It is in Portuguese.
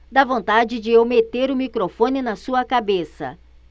dá vontade de eu meter o microfone na sua cabeça